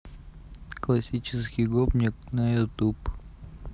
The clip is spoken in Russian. классический гопник на ютуб